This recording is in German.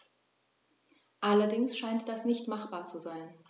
Allerdings scheint das nicht machbar zu sein.